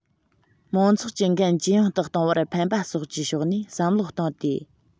མང ཚོགས ཀྱི འགན ཇེ ཡང དུ གཏོང བར ཕན པ སོགས ཀྱི ཕྱོགས ནས བསམ བློ བཏང སྟེ